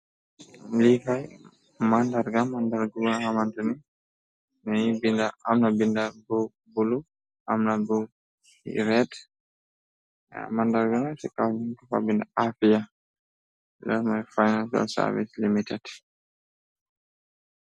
Lii kaay màndarga, mandarga boo xamantane, danyu binda, amna binda bu bulu, amna bu reet, mandargana ci kaw ñuñ kofa bind Afia muy financal service limited.